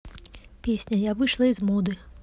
песня я вышла из моды